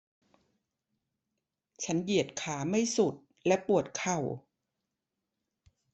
ฉันเหยียดขาไม่สุดและปวดเข่า